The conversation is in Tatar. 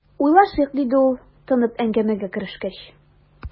"уйлашыйк", - диде ул, тынып, әңгәмәгә керешкәч.